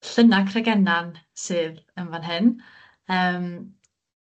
Llynna Cregennan sydd yn fan hyn yym